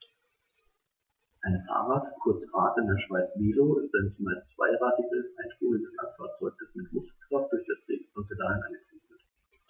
Ein Fahrrad, kurz Rad, in der Schweiz Velo, ist ein zumeist zweirädriges einspuriges Landfahrzeug, das mit Muskelkraft durch das Treten von Pedalen angetrieben wird.